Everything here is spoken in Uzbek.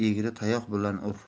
egri tayoq bilan ur